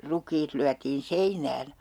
rukiit lyötiin seinään